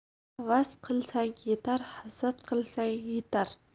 havas qilgan yetar hasad qilgan yitar